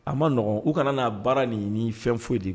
A maɔgɔn u kana'a baara nin ɲini fɛn foyi de